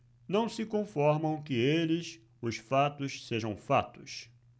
não se conformam que eles os fatos sejam fatos